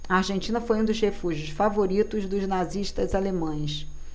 a argentina foi um dos refúgios favoritos dos nazistas alemães